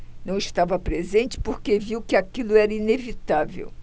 não estava presente porque viu que aquilo era inevitável